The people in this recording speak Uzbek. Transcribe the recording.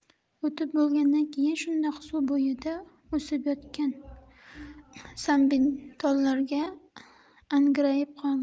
o'tib olgandan keyin shundoq suv bo'yida o'sib yotgan sambittollarga angrayib qoldim